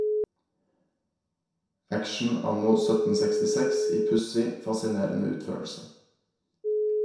Action anno 1766 i pussig, fascinerende utførelse.